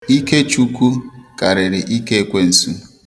Ike Chukwu karịrị ike ekwensu.